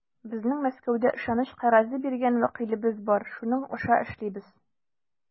Безнең Мәскәүдә ышаныч кәгазе биргән вәкилебез бар, шуның аша эшлибез.